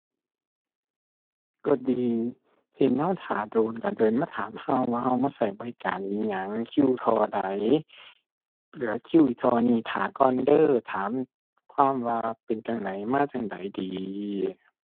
ก็ดี เห็นเราท่าโดนเราเดินมาถามเราว่าเรามาเราบริการอิหยัง คิวเท่าใด เหลือคิวอีกเท่านี้ ท่าก่อนเด้อ ถามความว่าเป็นจั่งใด มาจั่งใดดี